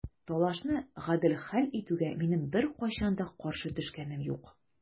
Талашны гадел хәл итүгә минем беркайчан да каршы төшкәнем юк.